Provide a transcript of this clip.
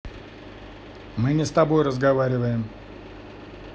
мы не с тобой разговариваем